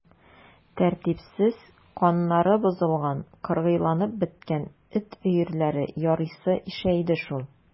Тәртипсез, каннары бозылган, кыргыйланып беткән эт өерләре ярыйсы ишәйде шул.